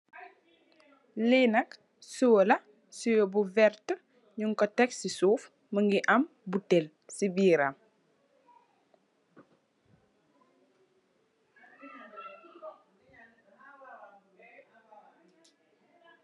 Li nak siwo la, siwo bu werta ñing ko tek si suuf mugii am butèèl si biiram.